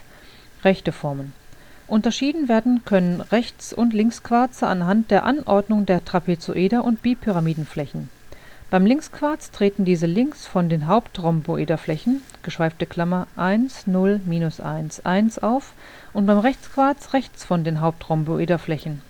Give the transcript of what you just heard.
Formen. Unterschieden werden können Rechts - und Linksquarze anhand der Anordnung der Trapezoeder - und Bipyramidenflächen. Beim Linksquarz treten diese links von den Hauptrhomboederflächen {10 1 ¯ 1 {\ displaystyle 10 {\ bar {1}} 1}} auf und beim Rechtsquarz rechts von den Hauptrhomboederflächen